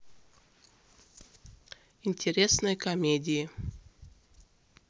интересные комедии